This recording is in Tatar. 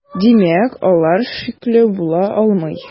Димәк, алар шикле була алмый.